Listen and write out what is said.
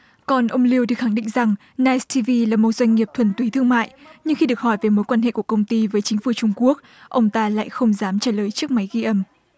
còn ông lưu đi khẳng định rằng nai ti vi là một doanh nghiệp thuần túy thương mại nhưng khi được hỏi về mối quan hệ của công ty với chính phủ trung quốc ông ta lại không dám trái lời trước máy ghi âm